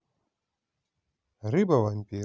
рыба вампир